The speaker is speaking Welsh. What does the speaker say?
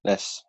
nes